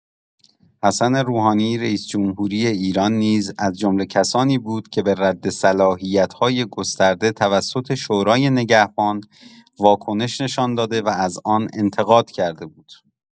حسن روحانی رئیس‌جمهوری ایران نیز از جمله کسانی بود که به رد صلاحیت‌های گسترده توسط شورای نگهبان، واکنش نشان داده و از آن انتقاد کرده بود.